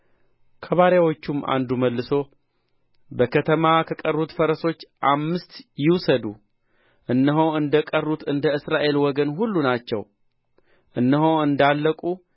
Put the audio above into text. ከባሪያዎቹም አንዱ መልሶ በከተማ ከቀሩት ፈረሶች አምስት ይውሰዱ እነሆ እንደ ቀሩት እንደ እስራኤል ወገን ሁሉ ናቸው እነሆ እንዳለቁ